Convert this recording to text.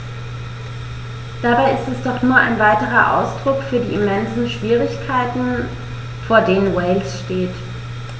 Dabei ist es doch nur ein weiterer Ausdruck für die immensen Schwierigkeiten, vor denen Wales steht.